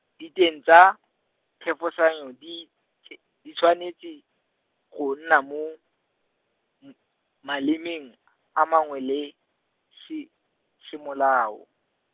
diteng tsa, thefosanyo di ts-, di tshwanetse, go nna mo, m- malemeng , a mangwe le, se-, semolao.